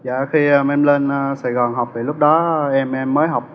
dạ khi em em lên sài gòn học thì lúc đó em em mới học